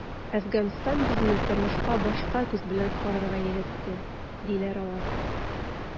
“әфганстан безне тормышка башка күз белән карарга өйрәтте”, - диләр алар.